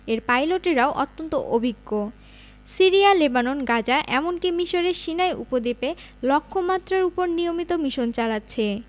এর পাইলটেরাও অত্যন্ত অভিজ্ঞ সিরিয়া লেবানন গাজা এমনকি মিসরের সিনাই উপদ্বীপে লক্ষ্যমাত্রার ওপর নিয়মিত মিশন চালাচ্ছে